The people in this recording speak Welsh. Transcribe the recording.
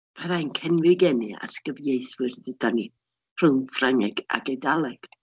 Fydda i'n cenfigennu at gyfieithwyr, ddeudan ni, rhwng Ffrangeg ac Eidaleg.